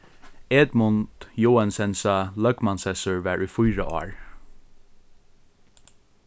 edmund joensensa løgmanssessur var í fýra ár